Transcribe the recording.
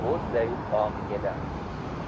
bo'zday oq edi